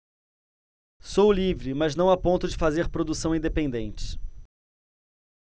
sou livre mas não a ponto de fazer produção independente